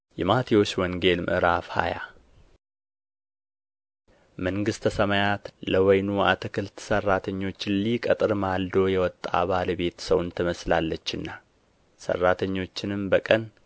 ﻿የማቴዎስ ወንጌል ምዕራፍ ሃያ መንግሥተ ሰማያት ለወይኑ አትክልት ሠራተኞችን ሊቀጥር ማልዶ የወጣ ባለቤት ሰውን ትመስላለችና ሠራተኞችንም በቀን